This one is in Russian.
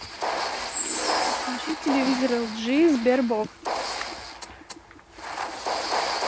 подключить телевизор lg sberbox